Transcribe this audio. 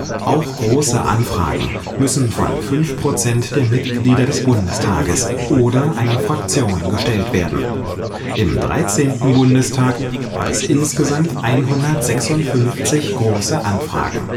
Auch Große Anfragen müssen von fünf Prozent der Mitglieder des Bundestages oder einer Fraktion gestellt werden. Im 13. Bundestag gab es insgesamt 156 Große Anfragen